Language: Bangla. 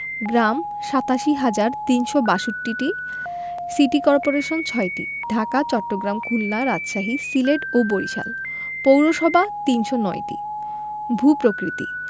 গ্রাম ৮৭হাজার ৩৬২টি সিটি কর্পোরেশন ৬টি ঢাকা চট্টগ্রাম খুলনা রাজশাহী সিলেট ও বরিশাল পৌরসভা ৩০৯টি ভূ প্রকৃতি